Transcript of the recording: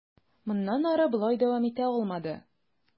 Моннан ары болай дәвам итә алмады.